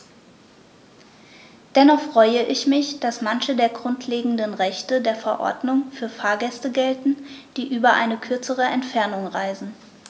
Dennoch freue ich mich, dass manche der grundlegenden Rechte der Verordnung für Fahrgäste gelten, die über eine kürzere Entfernung reisen.